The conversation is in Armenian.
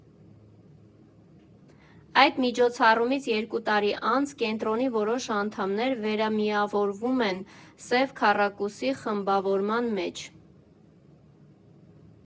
Այդ միջոցառումից երկու տարի անց «Կենտրոնի» որոշ անդամներ վերամիավորվում են «Սև քառակուսի» խմբավորման մեջ։